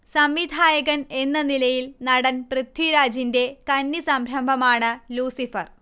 സംവിധായകൻ എന്ന നിലയിൽ നടൻ പൃഥ്വിരാജിന്റെ കന്നി സംരംഭമാണ് ലൂസിഫർ